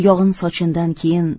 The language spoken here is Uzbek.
yog'in sochindan keyin